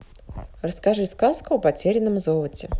расскажи сказку о потерянном золоте